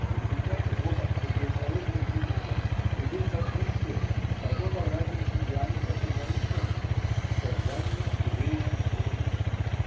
В результате оба противоположных девиза ведут к одной цели, как оба радиуса диаметра к одному центру: к созданию еврея-гуманиста.